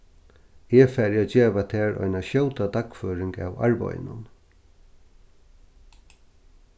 eg fari at geva tær eina skjóta dagføring av arbeiðinum